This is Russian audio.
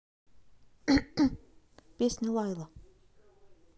песня лайла